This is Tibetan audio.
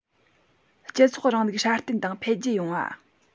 སྤྱི ཚོགས རིང ལུགས སྲ བརྟན དང འཕེལ རྒྱས ཡོང བ